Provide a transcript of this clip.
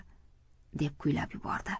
deb kuylab yubordi